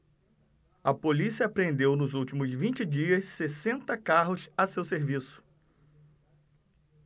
a polícia apreendeu nos últimos vinte dias sessenta carros a seu serviço